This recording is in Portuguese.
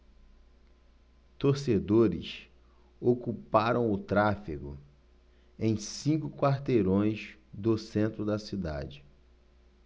torcedores ocuparam o tráfego em cinco quarteirões do centro da cidade